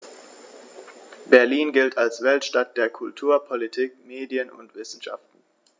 Berlin gilt als Weltstadt der Kultur, Politik, Medien und Wissenschaften.